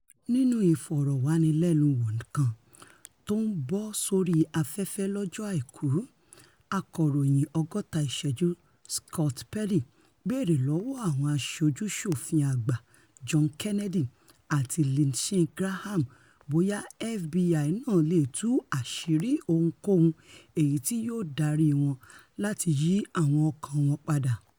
Nínu ìfọ̀rọ̀wánilẹnuwò kan tó ń bọ́ sórí afẹ́fẹ́ lọ́jọ́ Àìkú, akọ̀ròyìn ''Ọgọ́ta Ìṣẹ́jú Scott Pelley béèrè lọ́wọ́ Àwọn Aṣojú-ṣòfin Àgbà John Kennedy àti Lindsey Graham bóyá FBI náà leè tú àṣírí ohunkóhun èyití yóò darí wọn láti yí àwọn ọ̀kan wọn padà.